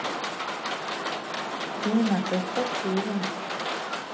inna то спасибо